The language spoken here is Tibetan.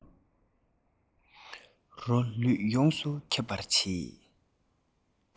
རོ ལུས ཡོངས སུ ཁྱབ པར བྱེད